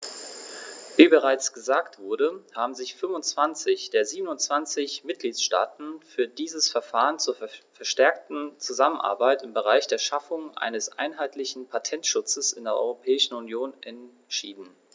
Wie bereits gesagt wurde, haben sich 25 der 27 Mitgliedstaaten für dieses Verfahren zur verstärkten Zusammenarbeit im Bereich der Schaffung eines einheitlichen Patentschutzes in der Europäischen Union entschieden.